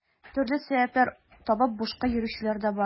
Төрле сәбәпләр табып бушка йөрүчеләр дә бар.